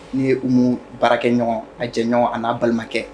Ni ye u baarakɛ ɲɔgɔn a jɛ ɲɔgɔn a n'a balimakɛ